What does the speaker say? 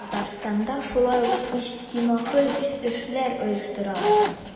Татарстанда шулай ук иҗтимагый эшләр оештыралар.